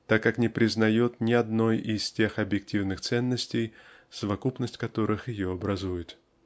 так как не признает ни одной из тех объективных ценностей совокупность которых ее образует.